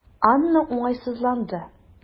Анна уңайсызланды.